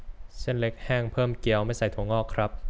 เส้นเล็กแห้งเพิ่มเกี๊ยวไม่ใส่ถั่วงอกครับ